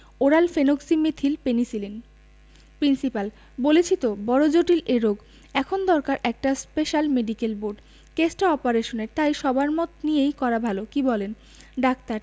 oral phenoxymethyl penicillin principal বলেছি তো বড় জটিল এ রোগ এখন দরকার একটা স্পেশাল মেডিকেল বোর্ড কেসটা অপারেশনের তাই সবার মত নিয়েই করা ভালো কি বলেন ডাক্তার